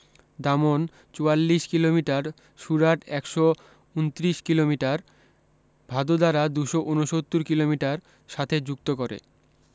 দামন চুয়াল্লিশ কিলোমিটার সুরাট একশ উনত্রিশ কিলোমিটার ভাদোদারা দুশো উনসত্তর কিলোমিটার সাথে যুক্ত করে